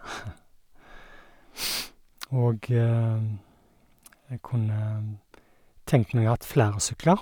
Og jeg kunne tenkt meg å hatt flere sykler.